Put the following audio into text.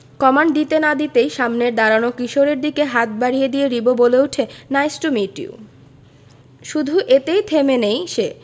command দিতে না দিতেই সামনের দাঁড়ানো কিশোরের দিকে হাত বাড়িয়ে দিয়ে রিবো বলে উঠে নাইস টু মিট ইউ শুধু এতেই থেমে নেই সে